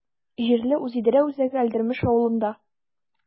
Җирле үзидарә үзәге Әлдермеш авылында.